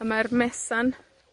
A mae'r mesan,